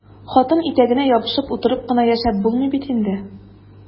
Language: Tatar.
Хатын итәгенә ябышып утырып кына яшәп булмый бит инде!